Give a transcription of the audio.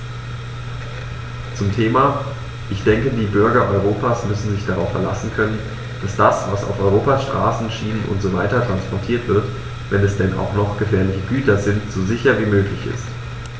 Zum Thema: Ich denke, die Bürger Europas müssen sich darauf verlassen können, dass das, was auf Europas Straßen, Schienen usw. transportiert wird, wenn es denn auch noch gefährliche Güter sind, so sicher wie möglich ist.